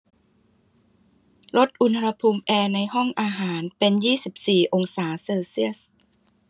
ลดอุณหภูมิแอร์ในห้องอาหารเป็นยี่สิบสี่องศาเซลเซียส